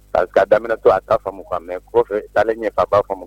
Pariseke'a daminɛ to a'a famu ka mɛ kɔfɛ taa ɲɛfa baa fɔ